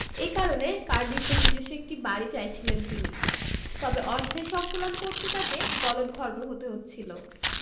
এ কারণে কার্ডিফে নিজস্ব একটি বাড়ি চাইছিলেন তিনি তবে অর্থের সংকুলান করতে তাঁকে গলদঘর্ম হতে হচ্ছিল